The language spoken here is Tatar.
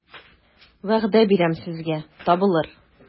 Вәгъдә бирәм сезгә, табылыр...